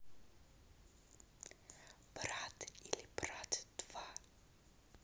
брат или брат два